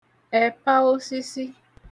ẹ̀pa osisi